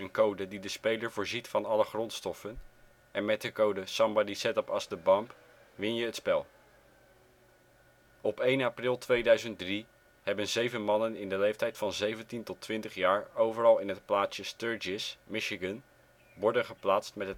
code die de speler voorziet van alle grondstoffen en met de code " somebody set up us the bomb " win je het spel. Op 1 april 2003 hebben zeven mannen in de leeftijd van 17 tot 20 jaar overal in het plaatsje Sturgis, Michigan borden geplaatst met